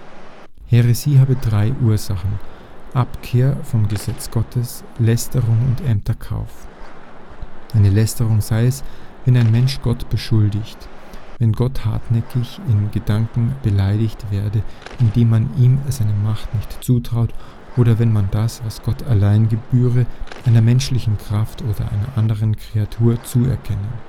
Häresie habe drei Ursachen: Abkehr vom Gesetz Gottes, Lästerung und Ämterkauf. Eine Lästerung sei es, wenn ein Mensch Gott beschuldigt, wenn Gott hartnäckig in Gedanken beleidigt werde, indem man ihm seine Macht nicht zutraut, oder wenn man das, was Gott allein gebühre, einer menschlichen Kraft oder einer anderen Kreatur zuerkenne